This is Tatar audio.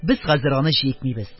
Без хәзер аны җикмибез.